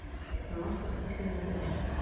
у нас подключен интернет